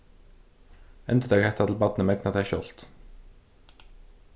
endurtak hetta til barnið megnar tað sjálvt